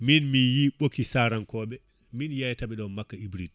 min miyi Ɓoki Sarankoɓe min yeyataɓe ɗo makka hyride